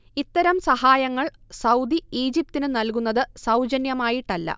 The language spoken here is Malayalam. ഇത്തരം സഹായങ്ങൾ സൗദി ഈജ്പിതിന് നൽകുന്നത് സൗജന്യമായിട്ടല്ല